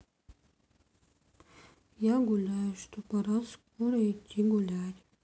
я думаю что пора скорой идти гулять